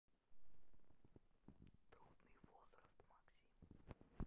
трудный возраст максим